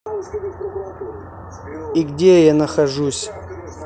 и где я нахожусь